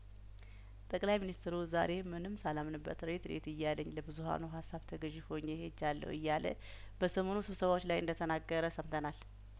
ጠቅላይ ሚኒስትሩ ዛሬ ምንም ሳላምንበት ሬት ሬት እያለኝ ለብዙሀኑ ሀሳብ ተገዥ ሆኜ ሄጃለሁ እያለበሰሞኑ ስብሰባዎች ላይ እንደተናገረ ሰምተናል